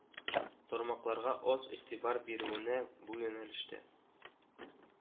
Тармакларга аз игътибар бирүенә, бу юнәлештә